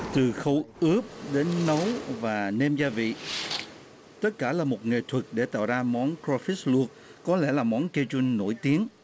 từ khâu ướp đến nấu và nêm gia vị tất cả là một nghệ thuật để tạo ra món cờ lo phít lu có lẽ là món ca chun nổi tiếng